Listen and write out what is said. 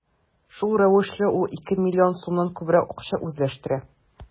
Шул рәвешле ул ике миллион сумнан күбрәк акча үзләштерә.